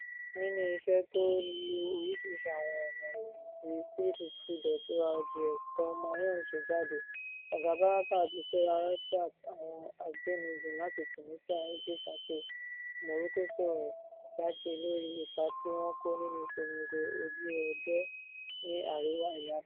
Nínú iṣẹ́ tó lo orìṣi àwọn ọ̀na ìròyìn tí 350.org’s Thelma Young ṣe jáde, Hoda Baraka àti Sarah Rifaat, àwọn abẹnugan láti Tunisia, Egypt àti Morocco sọ̀rọ̀ jákè lóri ipa tí wọ́n kó nínú ìpolongo ojú ọjọ́ ní Àríwá ilẹ̀ Áfíríkà.